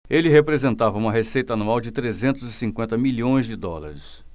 ele representava uma receita anual de trezentos e cinquenta milhões de dólares